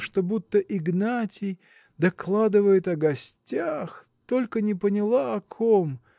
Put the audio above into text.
что будто Игнатий докладывает о гостях только не поняла о ком.